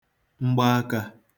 mgbaakā